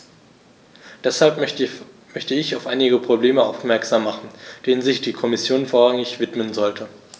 Deshalb möchte ich auf einige Probleme aufmerksam machen, denen sich die Kommission vorrangig widmen sollte.